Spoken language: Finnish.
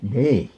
niin